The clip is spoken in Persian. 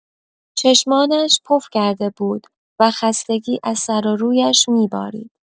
چشمانش پف کرده بود و خستگی از سر و رویش می‌بارید.